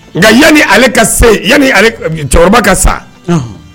Nka yan ni ale ka cɛkɔrɔbaba ka sa